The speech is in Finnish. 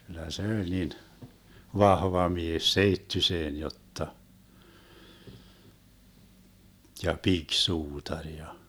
kyllä se oli niin vahva mies seittyiseen jotta ja pikisuutari ja